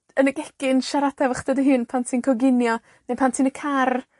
yn y gegin, siarada efo chdi dy hun pan ti'n coginio, ne' pan ti yn y car,